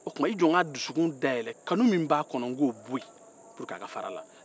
o tuma a to n k'a dusukun dayɛlɛn ka kanu bɔ a kɔnɔ walasa ka fara a la